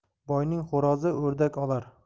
boyning xo'rozi o'rdak olar